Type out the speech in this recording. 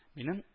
Минем